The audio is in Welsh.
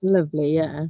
Lyfli, ie.